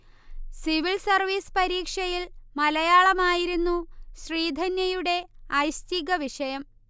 civil service പരീക്ഷയിൽ മലയാളമായിരുന്നു ശ്രീധന്യയുടെ ഐച്ഛീകവിഷയം